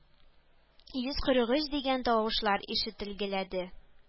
Йөз кырык өч дигән тавышлар ишетелгәләде